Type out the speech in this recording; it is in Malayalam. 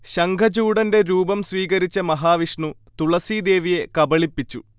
ശംഖചൂഢന്റെ രൂപം സ്വീകരിച്ച മഹാവിഷ്ണു തുളസീദേവിയെ കബളിപ്പിച്ചു